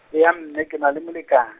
eya mme, kena le molekane.